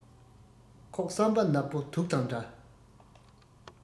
ཁོག བསམ པ ནག པོ དུག དང འདྲ